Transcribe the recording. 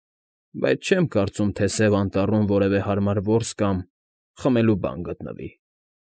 Բայց չեմ կարծում, թե Սև Անտառում որևէ հարմար որս կամ էլ խմելու բան գտնվեր։